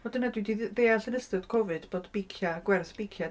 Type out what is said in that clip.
Wel dyna dwi 'di dd- ddeall yn ystod Covid bod beiciau gwerth beiciau